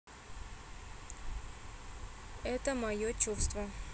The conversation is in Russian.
это мое чувство